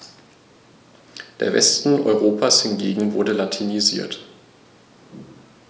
Der Westen Europas hingegen wurde latinisiert.